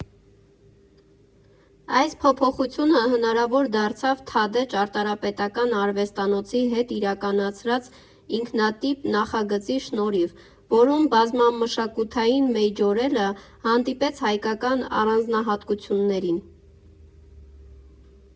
Այս փոփոխությունը հնարավոր դարձավ «Թադէ» ճարտարապետական արվեստանոցի հետ իրականացրած ինքնատիպ նախագծի շնորհիվ, որում բազմամշակութային Մեյջորելը հանդիպեց հայկական առանձնահատկություններին։